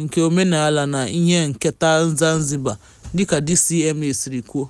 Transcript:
nke omenaala na ihe nketa Zanzibar, dịka DCMA siri kwuo.